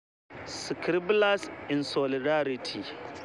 Scribblers in solidarity